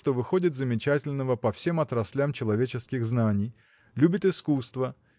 что выходит замечательного по всем отраслям человеческих знаний любит искусства